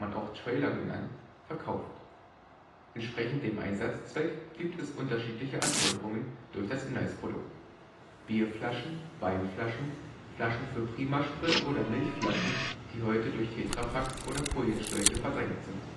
auch Trailer genannt) verkauft. Entsprechend dem Einsatzzweck gibt es unterschiedliche Anforderungen durch das Inhaltsprodukt: Bierflaschen, Weinflaschen, Flaschen für Prima Sprit oder Milchflaschen, die heute durch Tetra Paks oder Folienschläuche verdrängt sind